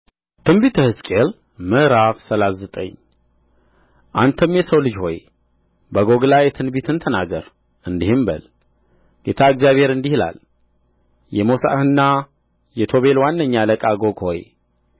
በትንቢተ ሕዝቅኤል ምዕራፍ ሰላሳ ዘጠኝ አንተም የሰው ልጅ ሆይ በጎግ ላይ ትንቢትን ተናገር እንዲህም በል ጌታ እግዚአብሔር እንዲህ ይላል የሞሳሕና የቶቤል ዋነኛ አለቃ ጎግ ሆይ